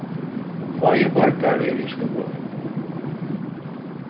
fáir borgarar eru í skúvoy